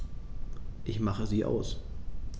Ich mache sie aus.